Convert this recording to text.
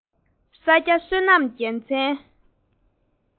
ས སྐྱ བསོད ནམས རྒྱལ མཚན